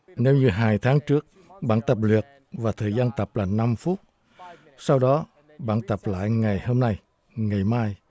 nếu như hai tháng trước bằng tập luyện và thời gian tập là năm phút sau đó bạn tập lại ngày hôm nay ngày mai